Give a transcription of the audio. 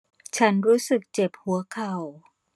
ฉันรู้สึกเจ็บหัวเข่า